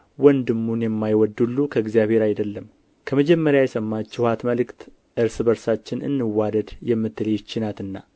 ወንድሙን የማይወድ ሁሉ ከእግዚአብሔር አይደለም ከመጀመሪያ የሰማችኋት መልእክት እርስ በርሳችን እንዋደድ የምትል ይህች ናትና